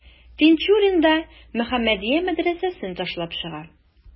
Тинчурин да «Мөхәммәдия» мәдрәсәсен ташлап чыга.